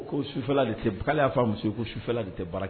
Sufɛla tɛ y'a muso sufɛla de tɛ bara